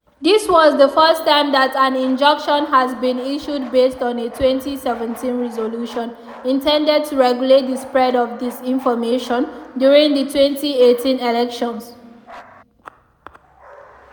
This was the first time that an injunction has been issued based on a 2017 resolution intended to regulate the spread of disinformation during the 2018 elections.